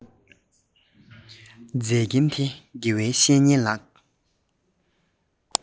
མཛད མཁན དེ དགེ བའི བཤེས གཉེན ལགས